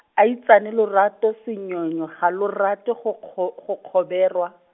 aitsane lorato senyonyo ga lo rate go kgo, go kgoberwa.